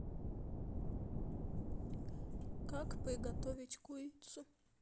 как приготовить курицу